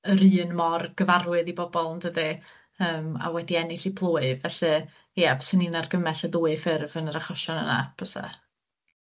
yr un mor gyfarwydd i bobol yndydi yym a wedi ennill 'u plwyf felly ia fyswn i'n argymell y ddwy ffurf yn yr achosion yna bysa.